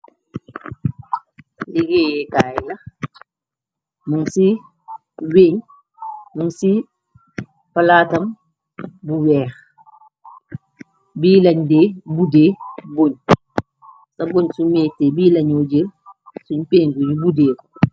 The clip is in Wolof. Ligeey kay la mun ci weñ mun ci palatam bu wèèx bi lañ de budee bañ sa bañ su metti bi laño jër suñ pengu ñu budeko.